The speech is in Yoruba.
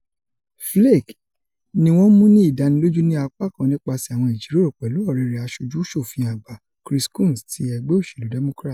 Flake ni wọ́n mú ní ìdánilójú ni apá kan nípaṣẹ́ àwọn ìjíròrò pẹ̀lú ọ̀rẹ́ rẹ̀ Aṣojú-ṣòfin Àgbà Chris Coons ti ẹgbẹ́ òṣèlú Democrats.